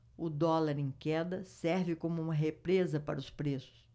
o dólar em queda serve como uma represa para os preços